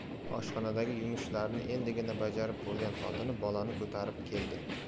oshxonadagi yumushlarini endigina bajarib bo'lgan xotini bolani ko'tarib keldi